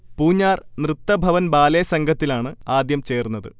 Poonjar Nrithabhavan ballet സംഘത്തിലാണ് ആദ്യം ചേർന്നത്